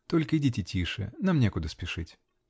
Только идите тише -- нам некуда спешить.